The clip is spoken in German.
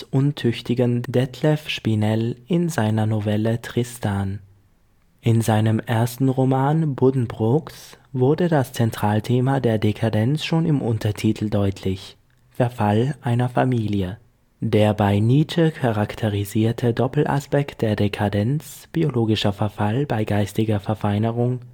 lebensuntüchtigen Detlev Spinell in seiner Novelle Tristan. Thomas Mann, Chronist der Dekadenz In seinem ersten Roman Buddenbrooks wurde das Zentralthema der Dekadenz schon im Untertitel deutlich: Verfall einer Familie. Der bei Nietzsche charakterisierte Doppelaspekt der Dekadenz – biologischer Verfall bei geistiger Verfeinerung